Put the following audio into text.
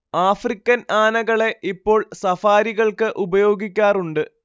African ആനകളെ ഇപ്പോൾ സഫാരികൾക്ക് ഉപയോഗിക്കാറുണ്ട്